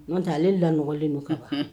Ɔn tɛ ale la nɔgɔli don kan